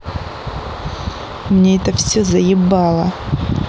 мне это все заебало